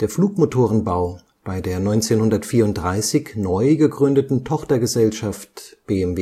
Flugmotorenbau bei der 1934 neu gegründeten Tochtergesellschaft „ BMW